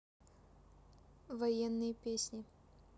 военные песни